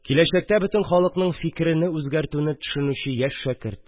Киләчәктә бөтен халыкның фикерене үзгәртүне төшенүче яшь шәкерт